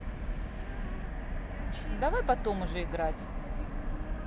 давай потом уже играть